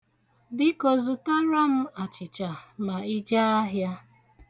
Biko, zụtara m achịcha ma i jee ahịa.